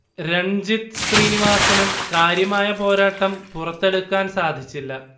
രൺജിത് ശ്രീനിവാസനും കാര്യമായ പോരാട്ടം പുറത്തെടുക്കാൻ സാധച്ചില്ല